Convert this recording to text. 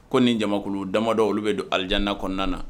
Ko nin jamakulu damadɔ olu bɛ don alijina kɔnɔna na